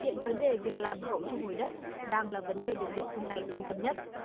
hiện vấn đề việc làm hậu thu hồi đất đang là vấn đề được địa phương này quan tâm nhất